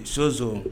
Soso